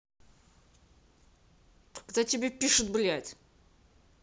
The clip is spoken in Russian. когда тебе пишут блядь